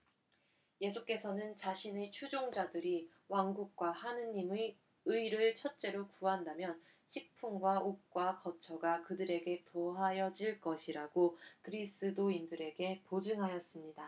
예수께서는 자신의 추종자들이 왕국과 하느님의 의를 첫째로 구한다면 식품과 옷과 거처가 그들에게 더하여질 것이라고 그리스도인들에게 보증하셨습니다